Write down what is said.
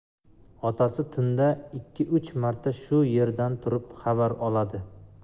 otasi tunda ikki uch marta shu yerdan turib xabar oladi